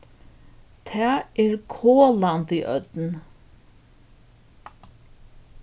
tað er kolandi ódn